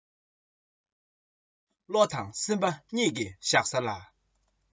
བློ དང སེམས པ གཉིས ཀྱི བཞག ས ལ